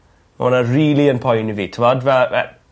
Ma' wnna rili yn poeni fi fel t'mod fel ma'